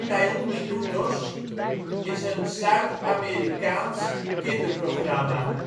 31 Minutos, een Zuid-Amerikaans kinderprogramma